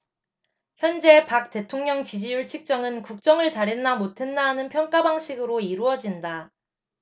현재 박 대통령 지지율 측정은 국정을 잘했나 못했나 하는 평가 방식으로 이루어진다